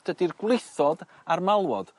dydi'r gwlithod a'r malwod